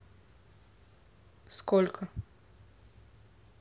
сколько